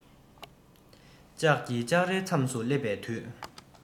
ལྕགས ཀྱི ལྕགས རིའི མཚམས སུ སླེབས པའི དུས